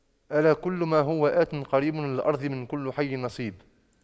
ألا كل ما هو آت قريب وللأرض من كل حي نصيب